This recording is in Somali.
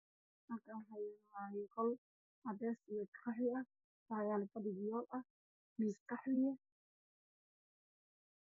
Halkaan waa qol kalarkiisu waa cadeys iyo qaxwi, waxaa yaalo fadhi fiyool ah iyo miis qaxwi ah.